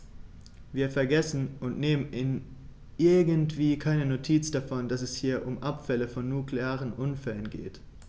Wir vergessen, und nehmen irgendwie keine Notiz davon, dass es hier um Abfälle von nuklearen Unfällen geht.